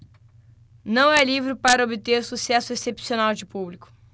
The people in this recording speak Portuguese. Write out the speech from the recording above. não é livro para obter sucesso excepcional de público